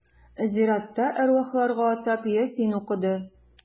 Зиратта әрвахларга атап Ясин укыды.